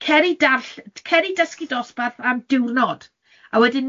cer i darll- cer i dysgu dosbarth am diwrnod, a wedyn